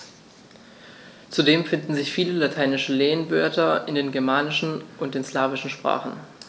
Zudem finden sich viele lateinische Lehnwörter in den germanischen und den slawischen Sprachen.